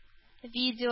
Видео